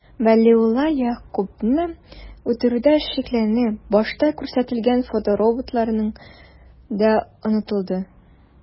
Вәлиулла Ягъкубны үтерүдә шикләнеп, башта күрсәтелгән фотороботлар да онытылды...